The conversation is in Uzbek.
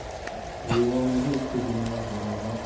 devonaga ikki dunyo barobar